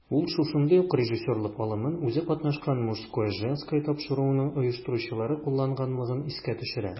Ул шушындый ук режиссерлык алымын үзе катнашкан "Мужское/Женское" тапшыруының оештыручылары кулланганлыгын искә төшерә.